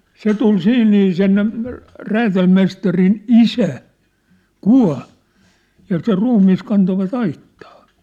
se tuli siinä niin sen räätälimestarin isä kuoli ja sen ruumis kantoivat aittaan